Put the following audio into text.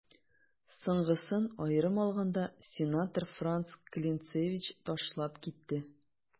Соңгысын, аерым алганда, сенатор Франц Клинцевич ташлап китте.